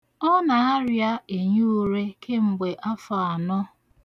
Ọ na-arịa enyiure kemgbe afọ anọ.